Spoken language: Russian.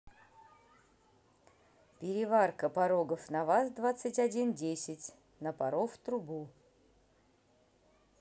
переварка порогов на ваз двадцать один десять напоров трубу